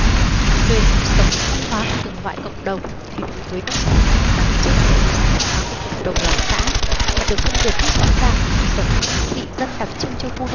về lối sống văn hóa của từng loại cộng đồng thì đối với nông thôn thường rất đặc trưng với lối sống văn hóa của cộng đồng làng xã mà được phân biệt rất rõ ràng với lối sống thị dân đặc trưng cho khu